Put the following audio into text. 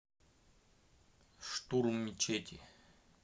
штурм мечети